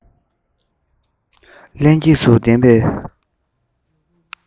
ལྷན སྐྱེས སུ ལྡན པའི